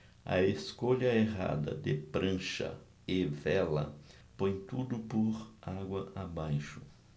a escolha errada de prancha e vela põe tudo por água abaixo